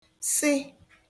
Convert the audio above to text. -sị